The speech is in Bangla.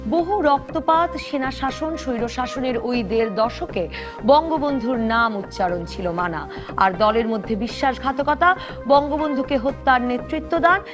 বহু রক্তপাত সেনাশাসন স্বৈরশাসনের ওই দেড় দশকে বঙ্গবন্ধুর নাম উচ্চারণ ছিল মানা আর দলের মধ্যে বিশ্বাসঘাতকতা বঙ্গবন্ধুকে হত্যার নেতৃত্ব দান